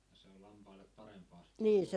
se on lampaille parempaa sitten se -